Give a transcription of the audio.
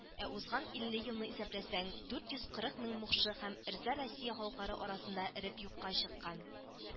Ә узган илле елны исәпләсәң – дурт йоз кырык мең мукшы һәм эрзә россия халыклары арасында эреп юкка чыккан